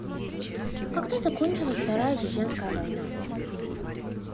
когда закончилась вторая чеченская война